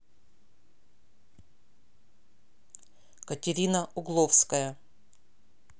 катерина угловская